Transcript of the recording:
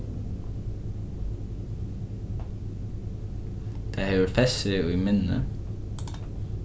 tað hevur fest seg í minnið